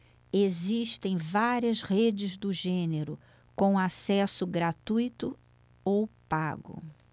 existem várias redes do gênero com acesso gratuito ou pago